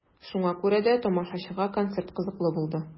Шуңа күрә дә тамашачыга концерт кызыклы булды.